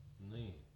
niin